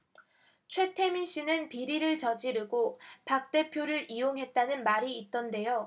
최태민씨는 비리를 저지르고 박 대표를 이용했다는 말이 있던데요